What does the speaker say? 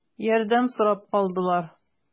Ярдәм сорап калдылар.